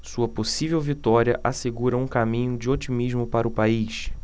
sua possível vitória assegura um caminho de otimismo para o país